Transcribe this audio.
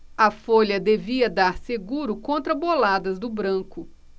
a folha devia dar seguro contra boladas do branco